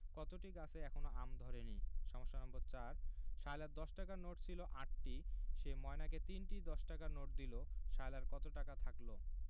কতটি গাছে এখনও আম ধরেনি সমস্যা নম্বর ৪ সায়লার দশ টাকার নোট ছিল ৮টি সে ময়নাকে ৩টি দশ টাকার নোট দিল সায়লার কত টাকা থাকল